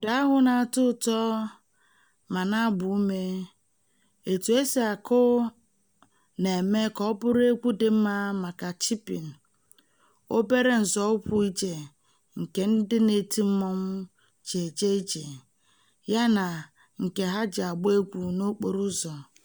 Ụda ahụ na-atọ ụtọ ma na-agba ume, etu o si akụ na-eme ka ọ bụrụ egwu dị mma maka "chipịn" (obere nzọụkwụ ije nke ndị na-eti mmọnwụ ji eje ije/agba egwu n'okporo ụzọ).